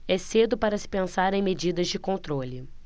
é cedo para se pensar em medidas de controle